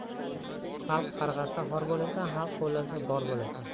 xalq qarg'asa xor bo'lasan xalq qo'llasa bor bo'lasan